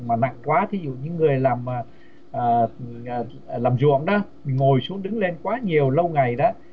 mà nặng quá chứ gì những người làm ờ ờ ờ làm ruộng ớ thì ngồi xuống đứng lên quá nhiều lâu ngày đớ